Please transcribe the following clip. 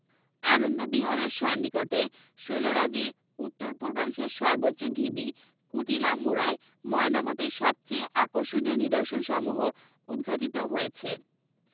আনন্দ বিহার এর সন্নিকটে শৈলরাজির উত্তর পূর্বাংশের সর্বোচ্চ ঢিবি কুটিলা মুড়ায় ময়নামতীর সবচেয়ে আকর্ষণীয় নিদর্শনসমূহ উদ্ঘাটিত হয়েছে